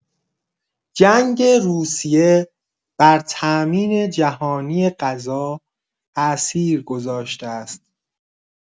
جنگ روسیه بر تامین جهانی غذا تاثیر گذاشته است.